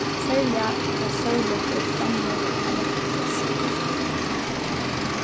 serliga tá sólin er frammi koma nógvir gestir